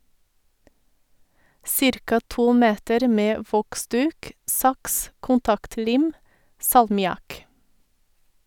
Cirka to meter med voksduk, saks, kontaktlim, salmiakk.